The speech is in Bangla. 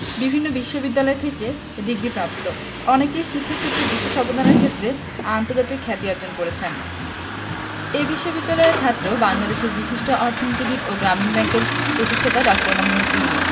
বিভিন্ন বিশ্ববিদ্যালয় থেকে ডিগ্রিপ্রাপ্ত অনেকেই শিক্ষাক্ষেত্রে বিশেষ অবদানের জন্য আন্তর্জাতিক খ্যাতি অর্জন করেছেন এ বিশ্ববিদ্যালয়েরই ছাত্র বাংলাদেশের বিশিষ্ট অর্থনীতিবিদ ও গ্রামীণ ব্যাংকের প্রতিষ্ঠাতা ড. মোহাম্মদ ইউনুস